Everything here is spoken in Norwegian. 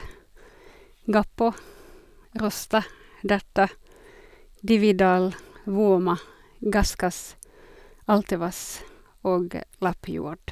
Gappo, Rosta, Daertta, Dividal, Vouma, Gaskas, Altevass og Lappjord.